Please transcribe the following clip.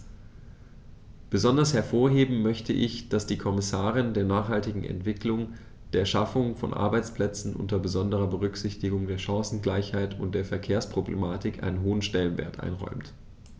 Besonders hervorheben möchte ich, dass die Kommission der nachhaltigen Entwicklung, der Schaffung von Arbeitsplätzen unter besonderer Berücksichtigung der Chancengleichheit und der Verkehrsproblematik einen hohen Stellenwert einräumt.